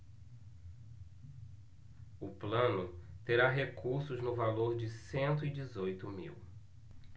o plano terá recursos no valor de cento e dezoito mil